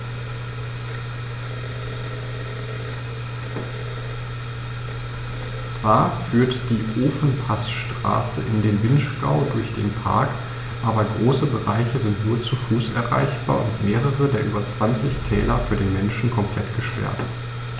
Zwar führt die Ofenpassstraße in den Vinschgau durch den Park, aber große Bereiche sind nur zu Fuß erreichbar und mehrere der über 20 Täler für den Menschen komplett gesperrt.